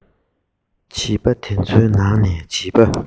བྱིས པ དེ ཚོའི ནང ནས བྱིས པ